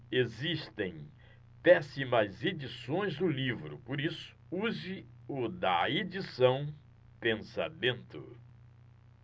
existem péssimas edições do livro por isso use o da edição pensamento